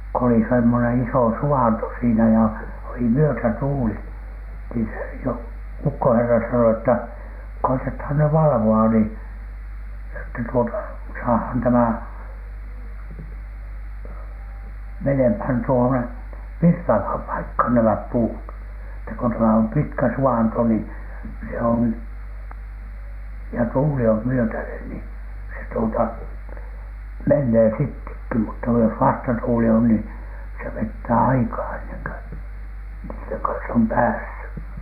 kun oli semmoinen iso suvanto siinä ja oli myötätuuli niin se - ukkoherra sanoi että koetetaan nyt valvoa niin että tuota saadaan tämä menemään tuonne virtaavaan paikkaan nämä puut että kun on tämä on pitkä suvanto niin se on ja tuuli on myötäinen niin se tuota menee sittenkin mutta jos vastatuuli on niin se vetää aikaa ennen kuin niiden kanssa on päässyt